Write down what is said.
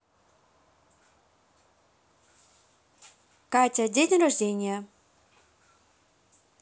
катя день рождения